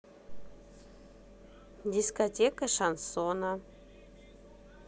дискотека шансона